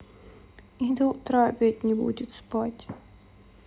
и до утра опять не будет спать